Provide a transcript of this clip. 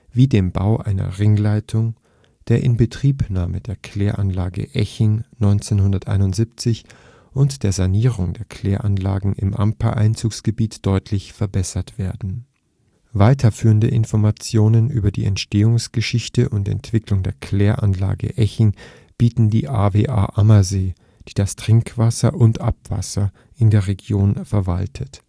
wie dem Bau einer Ringleitung, der Inbetriebnahme der Kläranlage in Eching 1971 und der Sanierung der Kläranlagen im Ammer-Einzugsgebiet deutlich verbessert werden. Weiterführende Informationen über die Entstehungsgeschichte und Entwicklung der Kläranlage Eching bieten die AWA-Ammersee, die das Trinkwasser und Abwasser in der Region verwaltet